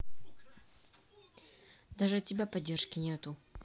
даже от тебя поддержки нету